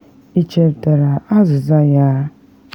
“Ịchetara azịza ya?